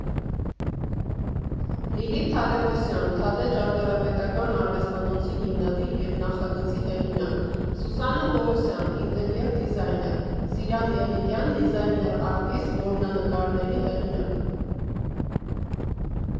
Լիլիթ Թադևոսյան ֊ «Թադէ» ճարտարապետական արվեստանոցի հիմնադիր և նախագծի հեղինակ Սուսաննա Պողոսյան ֊ ինտերիեր դիզայներ Սիրան Եղիկյան ֊ դիզայներ֊արտիստ, որմնանկարների հեղինակ։